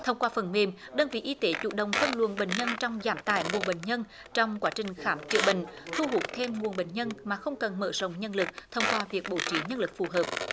thông qua phần mềm đơn vị y tế chủ động phân luồng bệnh nhân trong giảm tải nguồn bệnh nhân trong quá trình khám chữa bệnh thu hút thêm nguồn bệnh nhân mà không cần mở rộng nhân lực thông qua việc bố trí nhân lực phù hợp